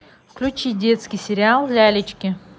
включить детский сериал лялечки